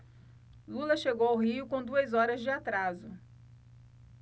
lula chegou ao rio com duas horas de atraso